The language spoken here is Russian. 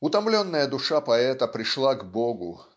Утомленная душа поэта пришла к Богу